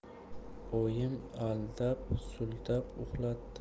oyim aldab suldab uxlatdi